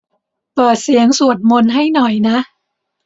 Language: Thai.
เปิดเสียงสวดมนต์ให้หน่อยนะ